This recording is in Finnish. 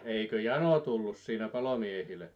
eikö jano tullut siinä palomiehille